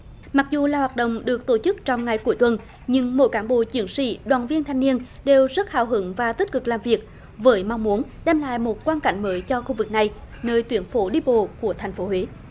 mặc dù là hoạt động được tổ chức trong ngày cuối tuần nhưng mỗi cán bộ chiến sĩ đoàn viên thanh niên đều rất hào hứng và tích cực làm việc với mong muốn đem lại một quang cảnh mới cho khu vực này nơi tuyến phố đi bộ của thành phố huế